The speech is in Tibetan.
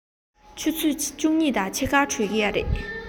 ཆུ ཚོད བཅུ གཉིས དང ཕྱེད ཀར གྲོལ གྱི རེད